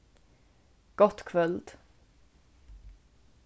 gott kvøld